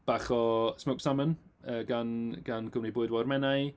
Bach o smoked salmon yy gan gan Gwmni Bwyd Môr Menai.